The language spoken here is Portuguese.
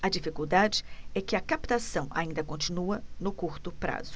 a dificuldade é que a captação ainda continua no curto prazo